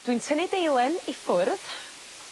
Dwi'n tynnu deilen i ffwrdd.